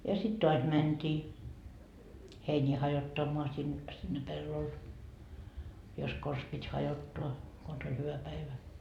ja sitten taas mentiin heiniä hajottamaan - sinne pellolle jos konsa piti hajottaa konsa oli hyvä päivä